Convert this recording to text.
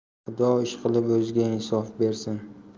xudo ishqilib o'ziga insof bersin